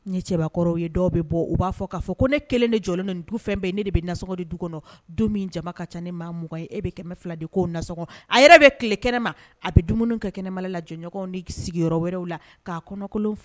N ye cɛbakɔrɔw ye, dɔw bɛ bɔ, u b'a fɔ k'a fɔ ko ne kelen de jɔlen don ni du fɛn bɛɛ ye. Ne de bɛ nasɔngɔn di du kɔnɔ. Du min jama ka ca ni maa 20 ye. E bɛ 1000 di ko nasɔngɔn. A yɛrɛ bɛ tile kɛnɛ ma, a bɛ dumuni kɛ kɛnɛma na la jɔnɲɔgɔnw ni sigiyɔrɔ wɛrɛw la. K'a kɔnɔkolon